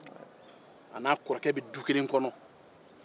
a n'a kɔrɔkɛ bɛ du kelen kɔnɔ